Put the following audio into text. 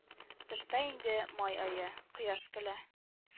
Тышта инде май ае — кояш көлә